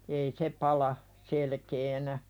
ei se pala selkeänä